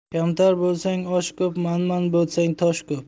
kamtar bo'lsang osh ko'p manman bo'lsang tosh ko'p